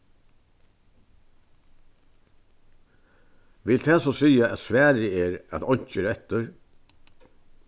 vil tað so siga at svarið er at einki er eftir